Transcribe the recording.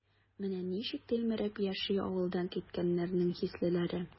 Менә ничек тилмереп яши авылдан киткәннәрнең хислеләре?